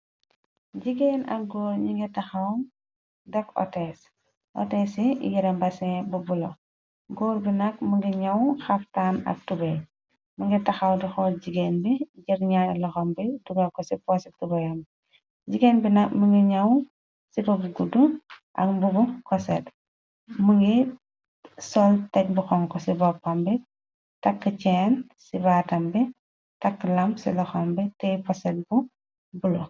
Jigéen ak góor ñi ngi taxaw def otés, otes ci yere, mbasin bu bula, góor bi nak mi ngi ñaw xaftaan ak tubey, mi ngi taxaw di xool jigéen bi, jël ñaari loxam bi dugal ko ci pose tuboyam, jigéen bi nak mi ngi ñaw sippa bu guddu ak mbubu koset, mi ngi sol tej bu xonxu ci boppam bi, takk ceen ci baatam bi, takk lam ci loxam bi, teye poset bu bula.